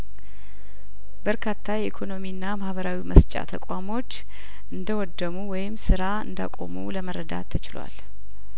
በርካታ የኢኮኖሚና ማህበራዊ መስጫ ተቋሞች እንደወደሙ ወይም ስራ እንዳ ቆሙ ለመረዳት ተችሏል